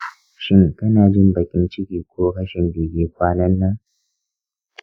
shin kana jin baƙin ciki ko rashin bege kwanan nan?